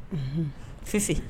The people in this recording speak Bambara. Unhun fisi